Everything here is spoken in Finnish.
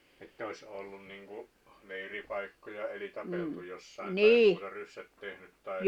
että olisi ollut niin kuin leiripaikkoja eli tapeltu jossakin tai muuta ryssät tehnyt tai